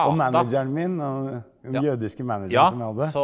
og manageren min og den jødiske manageren som jeg hadde.